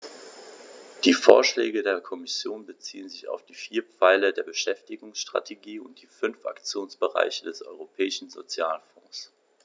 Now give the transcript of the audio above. Die Vorschläge der Kommission beziehen sich auf die vier Pfeiler der Beschäftigungsstrategie und die fünf Aktionsbereiche des Europäischen Sozialfonds.